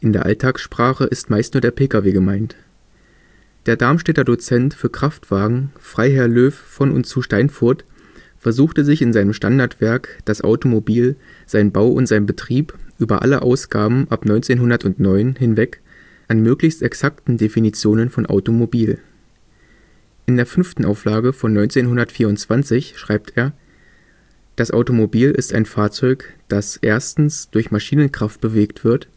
der Alltagssprache ist meist nur der Pkw gemeint. Der Darmstädter Dozent für Kraftwagen, Freiherr Löw von und zu Steinfurth, versuchte sich in seinem Standardwerk Das Automobil – sein Bau und sein Betrieb über alle Ausgaben ab 1909 hinweg an möglichst exakten Definitionen von „ Automobil “. In der 5. Auflage von 1924 schreibt er: „ Das Automobil ist ein Fahrzeug, das 1. durch Maschinenkraft bewegt wird